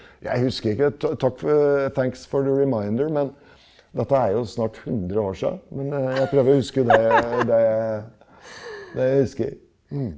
jeg husker ikke takk for men dette er jo snart 100 år sia, men jeg prøver å huske det det jeg det jeg husker ja.